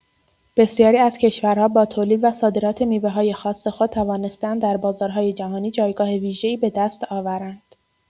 بسیاری از کشورها با تولید و صادرات میوه‌های خاص خود توانسته‌اند در بازارهای جهانی جایگاه ویژه‌ای به دست آورند.